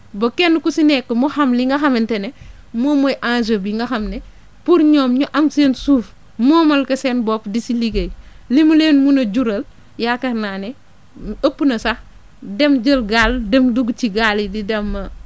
ba kenn ku si nekk mu xam li nga xamante ne moom mooy enjeu bi nga xam ne pour ñoom ñu am seen suuf moomal ko seen bopp di si liggéey li mu leen mun a jural yaakaar naa ne ëpp na sax dem jël gaal dem dugg ci gaal yi di dem